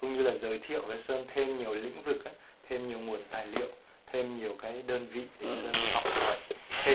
cũng như giới thiệu với sơn nhiều lĩnh vực tài liệu đơn vị khác để sơn học hỏi thêm